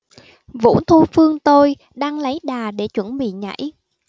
vũ thu phương tôi đang lấy đà để chuẩn bị nhảy